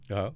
waaw